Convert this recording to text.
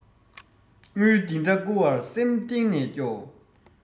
དངུལ འདི འདྲ བསྐུར བ ལ སེམས གཏིང ནས སྐྱོ